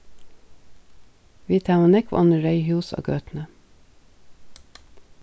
vit hava nógv onnur reyð hús á gøtuni